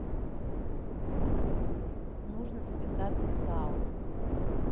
нужно записаться в сауну